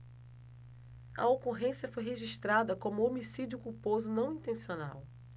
a ocorrência foi registrada como homicídio culposo não intencional